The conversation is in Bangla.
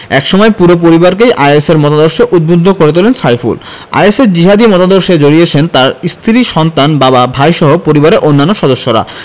একসময় পুরো পরিবারকেই আইএসের মতাদর্শে উদ্বুদ্ধ করে তোলেন সাইফুল আইএসের জিহাদি মতাদর্শে জড়িয়েছেন তাঁর স্ত্রী সন্তান বাবা ভাইসহ পরিবারের অন্যান্য সদস্যরা